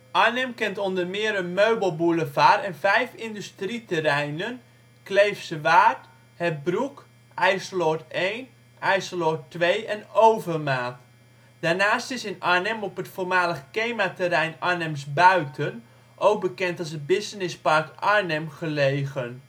Arnhem kent onder meer een meubelboulevard en vijf industrieterreinen: Kleefse Waard, Het Broek, IJsseloord I en II en Overmaat. Daarnaast is in Arnhem op het voormalig KEMA-terrein Arnhems Buiten (ook bekend als het BusinessPark Arnhem) gelegen